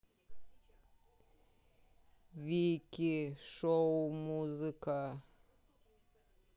вики шоу музыка